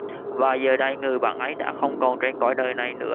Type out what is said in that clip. và giờ đây người bạn ấy đã không còn trên cõi đời này nữa